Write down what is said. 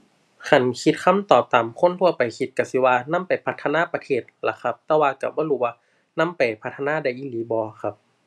คันคิดคำตอบตามคนทั่วไปคิดก็สิว่านำไปพัฒนาประเทศล่ะครับ แต่ว่าก็บ่รู้ว่านำไปพัฒนาได้อีหลีบ่ครับ